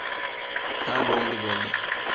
ha bo'ldi bo'ldi